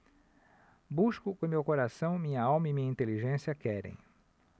busco o que meu coração minha alma e minha inteligência querem